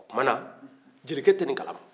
o tumana jelikɛ tɛ nin kalama